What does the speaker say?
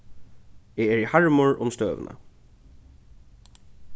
eg eri harmur um støðuna